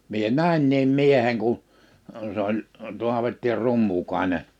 minä näinkin miehen kun se oli Taavetti Rummukainen